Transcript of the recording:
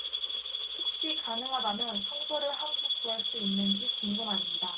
혹시 가능하다면 성서를 한 부 구할 수 있는지 궁금합니다